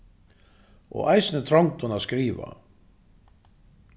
og eisini trongdin at skriva